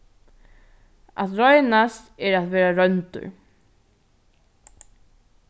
at roynast er at verða royndur